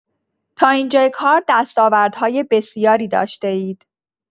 تا اینجای کار دستاوردهای بسیاری داشته‌اید.